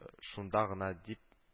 Шунда гына дип